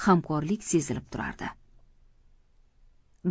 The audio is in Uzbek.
hamkorlik sezilib turardi